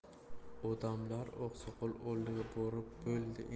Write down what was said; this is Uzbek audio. odamlar oqsoqol oldiga borib bo'ldi